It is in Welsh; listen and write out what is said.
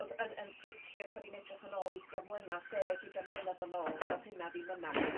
ordd yn yn sicr 'san ni'n edrych yn ôl ugian mlynadd 'de ag ugian mlynedd yn ôl do'dd hynna ddim yna.